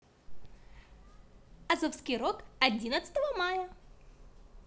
азовский рок одиннадцатого мая